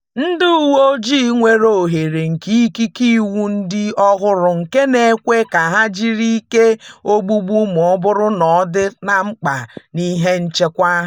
Ndị uwe ojii nwere ohere nke ikike iwu ndị ọhụrụ nke na-ekwe ka ha jiri ike dị ogbugbu ma ọ bụrụ na ọ dị ha ka ọ dị mkpa n'ihi nchekwa.